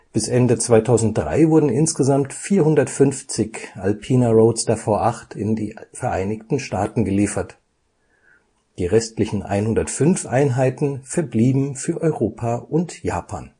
Bis Ende 2003 wurden insgesamt 450 Alpina Roadster V8 in die Vereinigten Staaten geliefert. Die restlichen 105 Einheiten verblieben für Europa und Japan